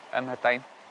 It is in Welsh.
Ym Mhrydain.